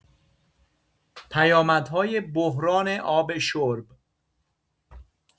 پیامدهای بحران آب شرب